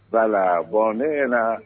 Voila, bon ne ɲɛna